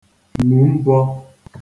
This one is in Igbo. mù mbọ̄